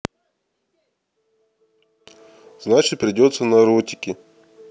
значит придется наротики